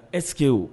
Ɛskeo